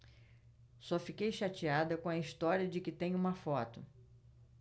só fiquei chateada com a história de que tem uma foto